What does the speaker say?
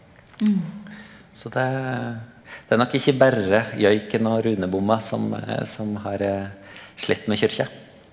så det er det er nok ikkje berre joiken og runebomma som som har slite med kyrkja.